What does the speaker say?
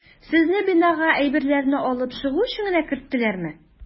Сезне бинага әйберләрне алып чыгу өчен генә керттеләрме?